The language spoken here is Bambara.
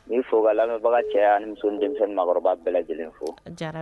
Ni foro la mɛbaga cɛ ani muso denmisɛnnin maakɔrɔba bɛɛ lajɛlen fo